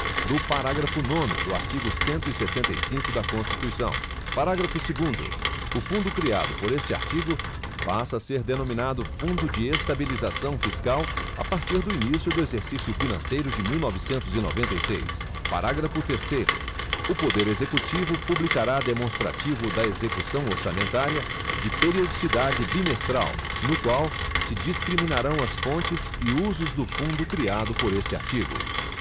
do parágrafo nono do artigo cento e sessenta e cinco da constituição parágrafo segundo o fundo criado por este artigo passa a ser denominado fundo de estabilização fiscal a partir do início do exercício financeiro de mil novecentos e noventa e seis parágrafo terceiro o poder executivo publicará demonstrativo da execução orçamentária de periodicidade bimestral no qual se discriminarão as fontes e usos do fundo criado por este artigo